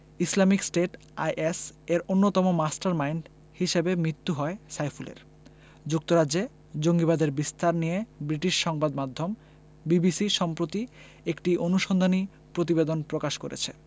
Islamic State IS এর অন্যতম mastermind হিসেবে মৃত্যু হয় সাইফুলের যুক্তরাজ্যে জঙ্গিবাদের বিস্তার নিয়ে ব্রিটিশ সংবাদমাধ্যম বিবিসি সম্প্রতি একটি অনুসন্ধানী প্রতিবেদন প্রকাশ করেছে